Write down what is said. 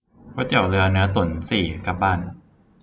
ก๋วยเตี๋ยวเรือเนื้อตุ๋นสี่กลับบ้าน